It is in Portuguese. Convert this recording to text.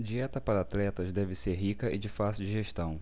dieta para atletas deve ser rica e de fácil digestão